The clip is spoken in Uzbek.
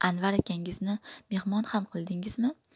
anvar akangizni mehmon ham qildingizmi